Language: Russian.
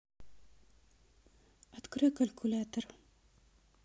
открой калькулятор